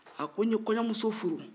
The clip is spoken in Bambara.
a ko n ye kɔɲɔmuso furu